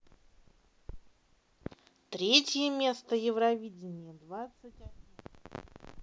третье место евровидение двадцать один